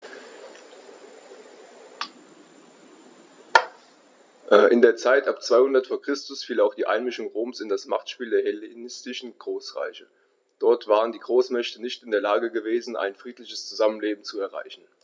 In die Zeit ab 200 v. Chr. fiel auch die Einmischung Roms in das Machtspiel der hellenistischen Großreiche: Dort waren die Großmächte nicht in der Lage gewesen, ein friedliches Zusammenleben zu erreichen.